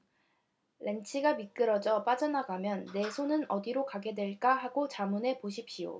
렌치가 미끄러져 빠져나가면 내 손은 어디로 가게 될까 하고 자문해 보십시오